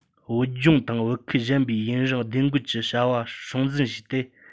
བོད ལྗོངས དང བོད ཁུལ གཞན པའི ཡུན རིང བདེ འགོད ཀྱི བྱ བ སྲུང འཛིན བྱས ཏེ